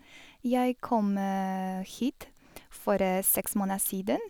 Jeg kom hit for seks måneder siden.